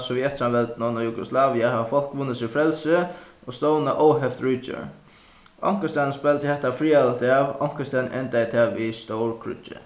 sovjetsamveldinum og jugoslavia hava fólk vunnið sær frælsi og stovna óheft ríki onkustaðni spældi hetta friðarligt av onkustaðni endaði tað við stórkríggi